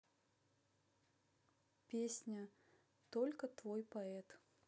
песня только твой поэт